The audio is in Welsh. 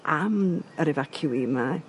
am yr ifaciwî 'ma